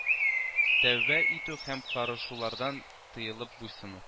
Тәүбә итү һәм карышулардан тыелып буйсыну